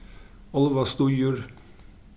álvastígur